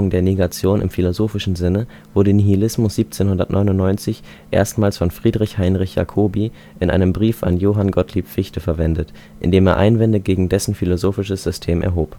der Negation im philosophischen Sinne wurde Nihilismus 1799 erstmals von Friedrich Heinrich Jacobi in einem Brief an Johann Gottlieb Fichte verwendet, in dem er Einwände gegen dessen philosophisches System erhob